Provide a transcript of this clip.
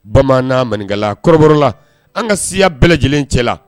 Bamaana maninkala kɔrɔbɔrɔla an ka siya bɛɛ lajɛlen cɛla